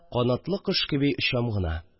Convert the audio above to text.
Канатлы кош кеби очам гына